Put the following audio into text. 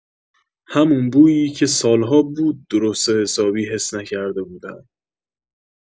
همون بویی که سال‌ها بود درست‌وحسابی حس نکرده بودم.